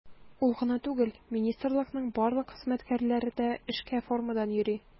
Ул гына түгел, министрлыкның барлык хезмәткәрләре дә эшкә формадан йөри.